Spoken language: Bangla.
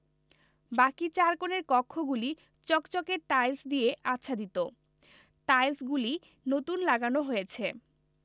বাকি চার কোণের কক্ষগুলি চকচকে টাইলস দিয়ে আচ্ছাদিত টাইলসগুলি নতুন লাগানো হয়েছে